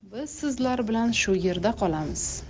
biz sizlar bilan shu yerda qolamiz